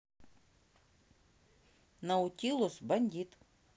nautilus бандит